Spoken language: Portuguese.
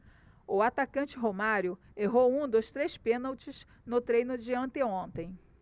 o atacante romário errou um dos três pênaltis no treino de anteontem